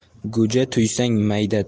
go'ja tuysang mayda